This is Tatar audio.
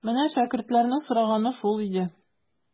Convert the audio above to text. Менә шәкертләрнең сораганы шул иде.